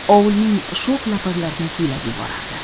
ovulning sho'x laparlarini kuylab yuborardi